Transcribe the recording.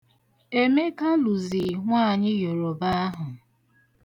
Emeka lụzi nwaanyị Yoroba ahụ.